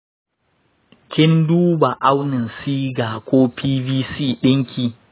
kin duba aunin siga ko pcv dinki?